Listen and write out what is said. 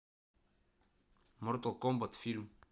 мортал комбат фильм